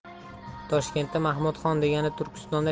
toshkentda mahmudxon degani turkistonda